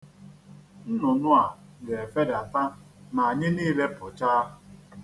Nnụnụ a ga-efedata ma anyị niile pụcha.